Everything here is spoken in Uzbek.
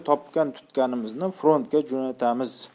topgan tutganimizni frontga jo'natamiz